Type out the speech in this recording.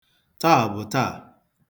Taa bụ taa.